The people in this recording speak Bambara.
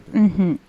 Unhun